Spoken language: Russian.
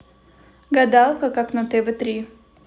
гадалка как на тв три